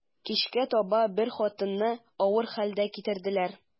Кичкә таба бер хатынны авыр хәлдә китерделәр.